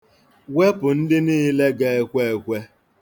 Wepụ ndị niile ga-ekwe ekwe.